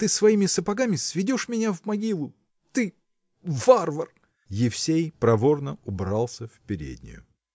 ты своими сапогами сведешь меня в могилу. ты. варвар! Евсей проворно убрался в переднюю.